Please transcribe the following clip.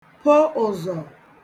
po ụ̀zọ̀